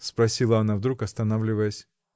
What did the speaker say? — спросила она вдруг, останавливаясь.